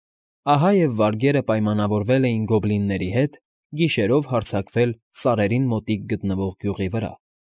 Ահա և վարգերը պայմանավորվել էին գոբլիննների հետ գիշերով հարձակվել սարերին մոտիկ գտնվող գյուղի վրա։